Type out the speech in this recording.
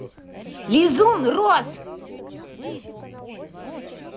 лизун рос